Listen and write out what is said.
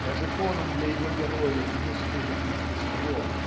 Даже фоном для его героев не служит естество